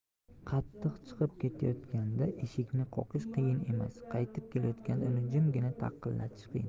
qattiq chiqib ketayotganda eshikni qoqish qiyin emas qaytib kelayotganda uni jimgina taqillatish qiyin